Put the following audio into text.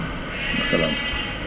wa salaam